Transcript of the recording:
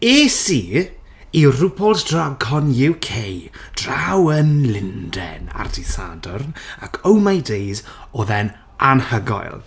Es i i Ru Paul's Drag Con UK, draw yn Lundain, ar dydd Sadwrn, ac oh my days, odd e'n anhygoel!